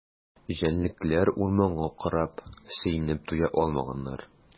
Җәнлекләр урманга карап сөенеп туя алмаганнар.